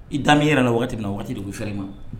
I dami yɛrɛ nana waati min na waati de bɛ fɛrɛ i ma